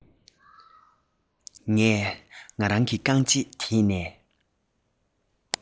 ངས ང རང གི རྐང རྗེས དེད ནས